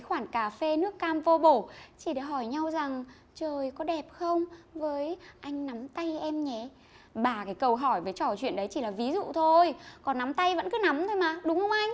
khoản cà phê nước cam vô bổ chỉ để hỏi nhau rằng trời có đẹp không với anh nắm tay em nhé ba cái câu hỏi với trò chuyện đấy chỉ là ví dụ thôi còn nắm tay vẫn cứ nắm thôi mà đúng không anh